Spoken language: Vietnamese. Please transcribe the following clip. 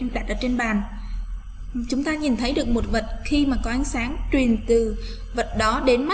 chúng ta nhìn thấy được một vật khi mà có ánh sáng truyền từ vật đó đến